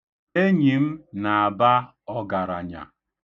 Enyi m na-aba ọgaranya.